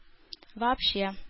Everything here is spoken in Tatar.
Вообще